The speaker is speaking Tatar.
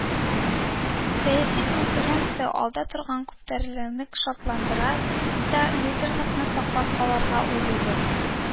“сәяси конкуренция, алда торган күппартиялелек шартларында лидерлыкны саклап калырга уйлыйбыз